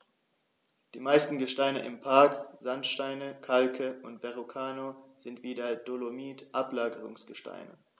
Die meisten Gesteine im Park – Sandsteine, Kalke und Verrucano – sind wie der Dolomit Ablagerungsgesteine.